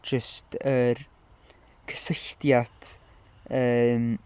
jyst yr cysylltiad, yym...